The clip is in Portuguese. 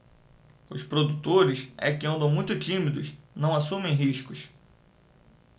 os produtores é que andam muito tímidos não assumem riscos